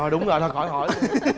thôi đúng rồi thôi khỏi hỏi